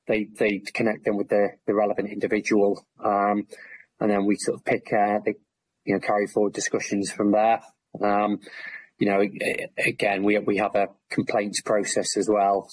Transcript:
um they they'd connect them with the the relevant individual um and then we sort of pick e they you know carry forward discussions from there um you know I- I- again we we have a complaint process as well,